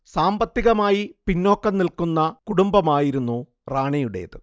സാമ്പത്തികമായി പിന്നോക്കം നിൽക്കുന്ന കുടുംബമായിരുന്നു റാണിയുടേത്